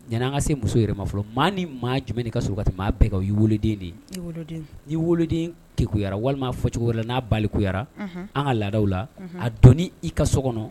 Yani an ka se muso yɛrɛ ma fɔlɔ, maa ni maa jumɛn de ka surun ka tɛmɛ maa bɛɛ kan, o y'i woloden de ye, i woloden, ni woloden kekuyara, walima an ka fɔ cogoyala n'a balikuyara, unhun, an ka laadaw la, a dɔn n'i ka so kɔnɔ